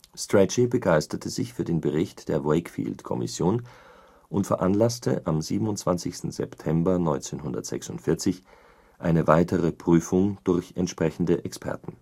Strachey begeisterte sich für den Bericht der Wakefield-Kommission und veranlasste am 27. September 1946 eine weitere Prüfung durch entsprechende Experten